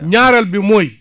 ñaareel bi mooy